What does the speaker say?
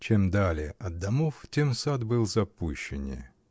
Чем далее от домов, тем сад был запущеннее.